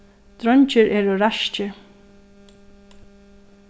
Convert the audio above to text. dreingir eru raskir